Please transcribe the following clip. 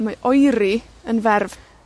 Mae oeri yn ferf.